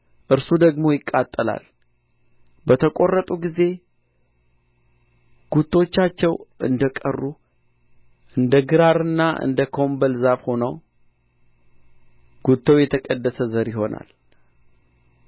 እርሱ ደግሞ ይቃጠላል በተቈረጡ ጊዜ ጉቶቻቸው እንደ ቀሩ እንደ ግራርና እንደ ኮምበል ዛፍ ሆኖ ጉቶው የተቀደሰ ዘር ይሆናል